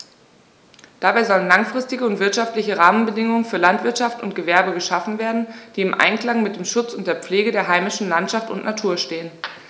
Dabei sollen langfristige und wirtschaftliche Rahmenbedingungen für Landwirtschaft und Gewerbe geschaffen werden, die im Einklang mit dem Schutz und der Pflege der heimischen Landschaft und Natur stehen.